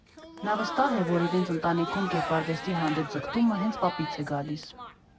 Նա վստահ է, որ իրենց ընտանիքում կերպարվեստի հանդեպ ձգտումը հենց պապից է գալիս։